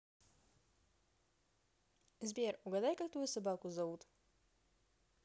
сбер угадай как твою собаку зовут